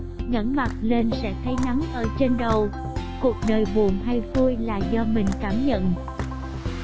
ngẩng mặt lên sẽ thấy nắng ở trên đầu cuộc đời buồn hay vui là do mình cảm nhận